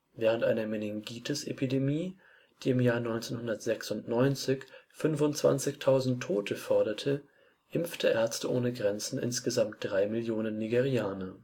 Während einer Meningitis-Epidemie, die im Jahr 1996 25.000 Tote forderte, impfte MSF insgesamt drei Millionen Nigerianer